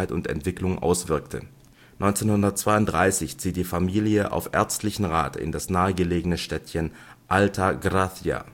und Entwicklung auswirkte. 1932 zieht die Familie auf ärztlichen Rat in das nahegelegene Städtchen Alta Gracia